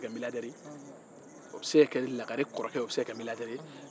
o bɛ se ka kɛ miliyaridɛri ye lagare kɔrɔkɛ fana bɛ se ka kɛ miliyaridɛri ye